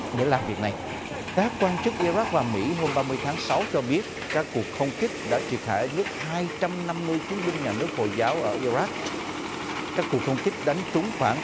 để làm việc này các quan chức i rắc và mĩ hôm ba mươi tháng sáu cho biết các cuộc không kích đã triệt hạ ít nhất hai trăm năm mươi chiến binh nhà nước hồi giáo ở i rắc các cuộc không kích đánh trúng khoảng